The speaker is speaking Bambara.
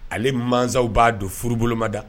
Ale mansaw b'a don furuboloma da